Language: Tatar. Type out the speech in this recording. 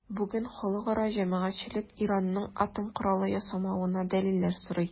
Бүген халыкара җәмәгатьчелек Иранның атом коралы ясамавына дәлилләр сорый.